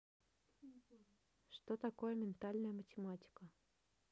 что такое ментальная математика